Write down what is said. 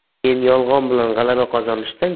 men yolg'on bilan g'alaba qozonishdan